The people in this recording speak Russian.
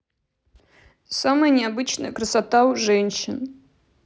самая необычная красота у женщин